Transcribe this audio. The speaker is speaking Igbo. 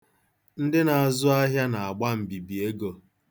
Ndị na-azụ ahịa na-agba mbibi ego